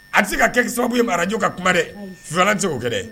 A tɛ se ka kɛ sababu ye radio ka kuma dɛ, fɛfalan tɛ se k'o kɛ dɛ!